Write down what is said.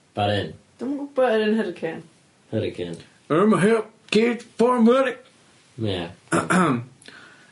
Ba'r un? Dwi'm yn gwybo yr un Hurricane. Hurricane. Urma help kids porn money. Ie.